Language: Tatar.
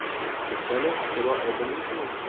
Туктале, котыла алдымыни соң ул?